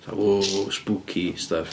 Fatha ww spooky stuff.